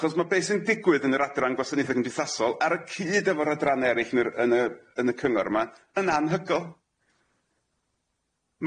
Achos ma' be' sy'n digwydd yn yr adran gwasanaethe cymdeithasol ar y cyd efo'r adrane eryll yn yr yn y yn y cyngor yma yn anhygol.